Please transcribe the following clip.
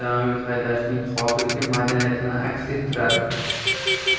avtomobil haydashning hozirgi madaniyatini aks ettiradi